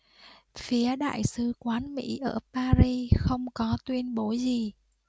phía đại sứ quán mỹ ở paris không có tuyên bố gì